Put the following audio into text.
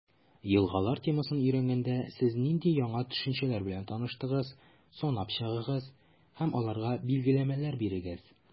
«елгалар» темасын өйрәнгәндә, сез нинди яңа төшенчәләр белән таныштыгыз, санап чыгыгыз һәм аларга билгеләмәләр бирегез.